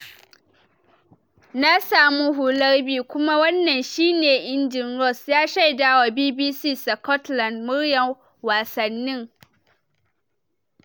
Na samu hular B kuma wannan shi ne, "in ji Ross ya shaidawa BBC Scotland’s Muryarwasanni."